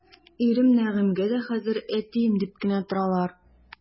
Ирем Нәгыймгә дә хәзер әтием дип кенә торалар.